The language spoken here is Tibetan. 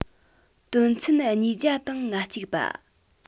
དོན ཚན ཉིས བརྒྱ དང ང གཅིག པ